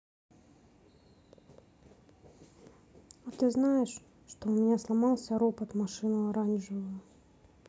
а ты знаешь что у меня сломался ропот машину оранжевую